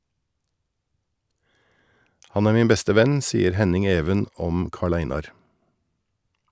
- Han er min beste venn, sier Henning-Even om Karl-Einar.